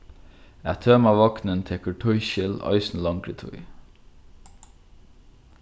at tøma vognin tekur tískil eisini longri tíð